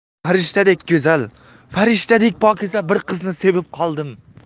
farishtadek go'zal farishtadek pokiza bir qizni sevib qoldim